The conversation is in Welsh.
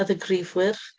Y ddigrifwyr.